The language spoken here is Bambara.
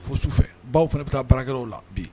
Fɔ su fɛ baw fana bɛ taa baarakɛyɔrɔw la bi.